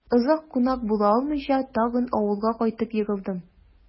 Озак кунак була алмыйча, тагын авылга кайтып егылдым...